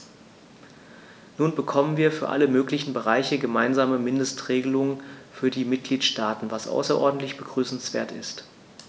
Nun bekommen wir für alle möglichen Bereiche gemeinsame Mindestregelungen für die Mitgliedstaaten, was außerordentlich begrüßenswert ist.